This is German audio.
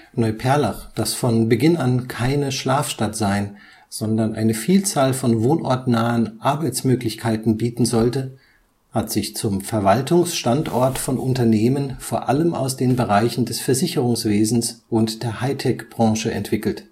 Neuperlach, das von Beginn an keine Schlafstadt sein, sondern eine Vielzahl von wohnortnahen Arbeitsmöglichkeiten bieten sollte, hat sich zum Verwaltungsstandort von Unternehmen vor allem aus den Bereichen des Versicherungswesens und der High-Tech-Branche entwickelt